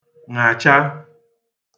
ṅàcha